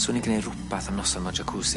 Swn i'n gneud rwbath am noson mewn jacuzzi.